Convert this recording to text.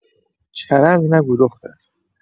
چرند نگو دختر